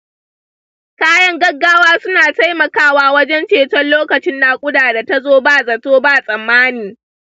kayan gaggawa suna taimakawa wajen ceton lokacin nakuda da ta zo ba zato ba tsammani.